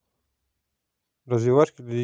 развивашки для детей